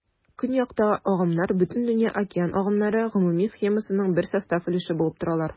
Көньякта агымнар Бөтендөнья океан агымнары гомуми схемасының бер состав өлеше булып торалар.